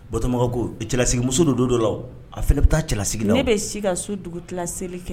Bato ko cɛlasigi muso don don dɔ la a fana bɛ taa cɛlasigi la e bɛ si ka so dugu ki seli kɛ